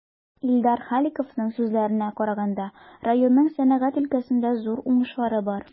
Илдар Халиковның сүзләренә караганда, районның сәнәгать өлкәсендә зур уңышлары бар.